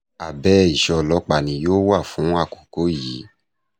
Abẹ́ ìṣọ́ ọlọ́pàá ni yóò wà fún àkókò yìí.